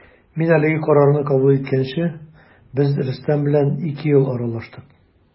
Мин әлеге карарны кабул иткәнче без Рөстәм белән ике ел аралаштык.